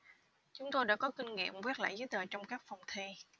chúng tôi đã có kinh nghiệm quét lại giấy tờ trong các phòng thi